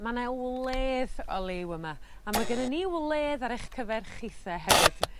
ma' 'ne wledd o liw yma a ma' gynnyn ni wledd ar eich cyfer chithe hefyd